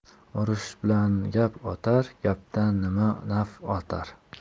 urush bilan gap ortar gapdan nima naf ortar